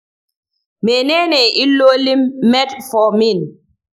mene ne illolin metformin?